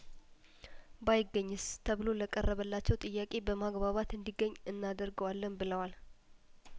ባይገኝ ስተብሎ ለቀረበላቸው ጥያቄ በማግባባት እንዲገኝ እናደርገዋለን ብለዋል